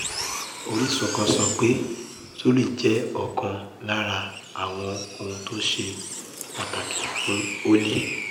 Orísun kan sọ pé: Truly jẹ ọkan lára àwòn ohun ti óṣe Pàtàkì fún Holly.